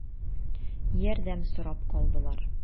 Ярдәм сорап калдылар.